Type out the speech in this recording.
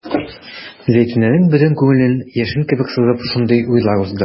Зәйтүнәнең бөтен күңелен яшен кебек сызып шундый уйлар узды.